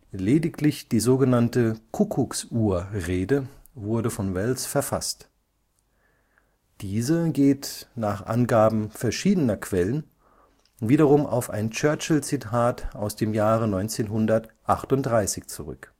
Lediglich die „ Kuckucksuhr-Rede “wurde von Welles verfasst. Diese geht, nach Angabe verschiedener Quellen, wiederum auf ein Churchill-Zitat aus dem Jahre 1938 zurück